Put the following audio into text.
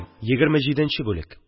Егерме җиденче бүлек